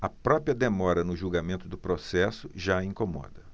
a própria demora no julgamento do processo já incomoda